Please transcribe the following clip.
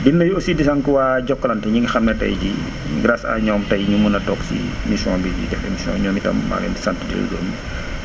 di nuyu aussi di sant waa Jokalante ñi nga xam ne tey jii grâce à ñoom tey ñu mën a toog fii émission bii ñuy def nii ñoom itam maa ngi leen di sant di leen gërëm